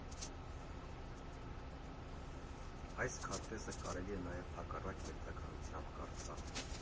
Այս քարտեզը կարելի է նաև հակառակ հերթականությամբ կարդալ։